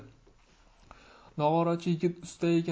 nog'orachi yigit usta ekan